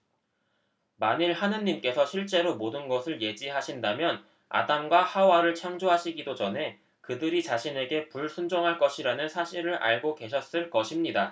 만일 하느님께서 실제로 모든 것을 예지하신다면 아담과 하와를 창조하시기도 전에 그들이 자신에게 불순종할 것이라는 사실을 알고 계셨을 것입니다